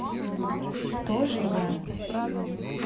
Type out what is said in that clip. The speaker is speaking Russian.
кто же я